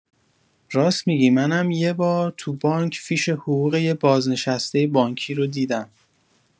راس می‌گی منم یه بار تو بانک فیش حقوق یه بازنشسته بانکی رو دیدم